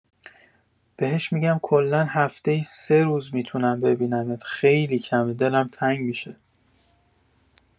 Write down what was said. بهش می‌گم کلا هفته‌ای سه روز می‌تونم ببینمت خیلی کمه دلم تنگ می‌شه